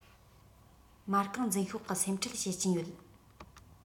མ རྐང འཛིན ཤོག གི སེམས ཁྲལ བྱེད ཀྱིན ཡོད